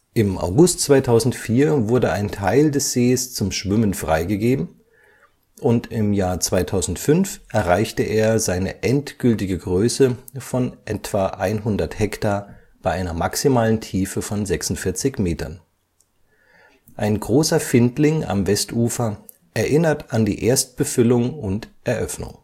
Im August 2004 wurde ein Teil des Sees zum Schwimmen freigegeben, und im Jahr 2005 erreichte er seine endgültige Größe von etwa 100 Hektar bei einer maximalen Tiefe von 46 m. Ein großer Findling am Westufer erinnert an die Erstbefüllung und Eröffnung